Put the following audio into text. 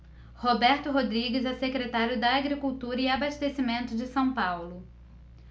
roberto rodrigues é secretário da agricultura e abastecimento de são paulo